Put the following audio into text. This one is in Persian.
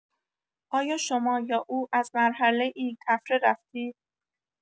آیا شما یا او از مرحله‌ای طفره رفتید؟